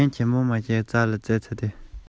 མི རྣམས ཀྱིས ང ཚོ ལ